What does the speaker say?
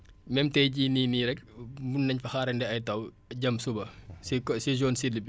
même tey jii nii nii nii rek mun nañ fa xaarandi ay taw jëm suba si co si zone sud bi